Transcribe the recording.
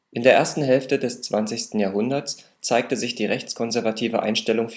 ersten Hälfte des 20. Jahrhunderts zeigte sich die rechts-konservative Einstellung